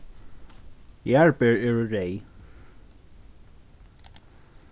jarðber eru reyð